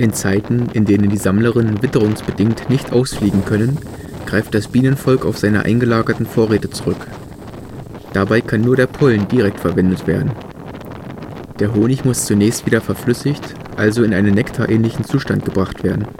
Zeiten, in denen die Sammlerinnen witterungsbedingt nicht ausfliegen können, greift das Bienenvolk auf seine eingelagerten Vorräte zurück. Dabei kann nur der Pollen direkt verwendet werden. Der Honig muss zunächst wieder verflüssigt, also in einen nektarähnlichen Zustand gebracht werden